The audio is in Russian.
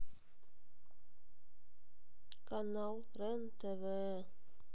канал рен тв